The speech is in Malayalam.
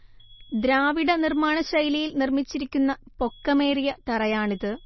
ദ്രാവിഡ നിർമ്മാണശൈലിയിൽ നിർമ്മിച്ചിരിക്കുന്ന പൊക്കമേറിയ തറയാണിത്